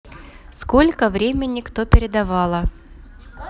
сколько времени кто передавала